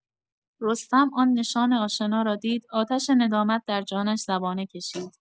رستم، آن نشان آشنا را دید، آتش ندامت در جانش زبانه کشید.